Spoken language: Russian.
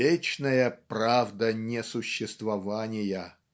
вечная правда несуществования".